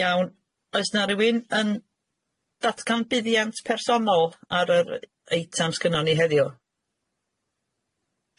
Iawn oes na rywun yn datgan fuddiant personol ar yr eitem sgynnon ni heddiw?